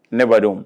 Ne badenw